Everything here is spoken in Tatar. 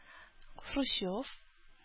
Хрущев